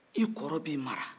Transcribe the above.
i kɔrɔ b'i mara